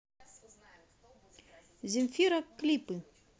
земфира клипы